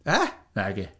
E?... Nage.